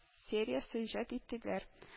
Сериясе иҗат иттеләр